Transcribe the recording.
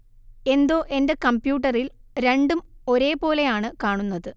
എന്തോ എന്റെ കമ്പ്യൂട്ടറിൽ രണ്ടും ഒരേ പോലെ ആണ് കാണുന്നത്